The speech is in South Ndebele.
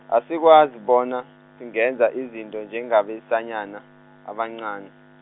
asikwazi bona, singenza izinto njengabesanyana, abancani.